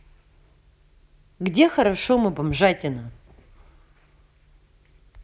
где хорошо мы бомжатина